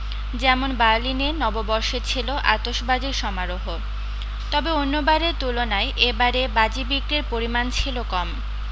যেমন বারলিনে নববর্ষে ছিল আতসবাজীর সমারোহ তবে অন্য বারের তুলনায় এ বারে বাজি বিক্রির পরিমাণ ছিল কম